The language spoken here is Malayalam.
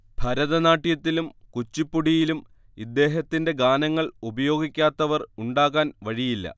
ഭരതനാട്യത്തിലും കുച്ചിപ്പുടിയിലും ഇദ്ദേഹത്തിന്റെ ഗാനങ്ങൾ ഉപയോഗിക്കാത്തവർ ഉണ്ടാകാൻ വഴിയില്ല